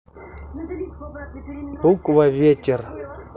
буква ветер